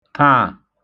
taà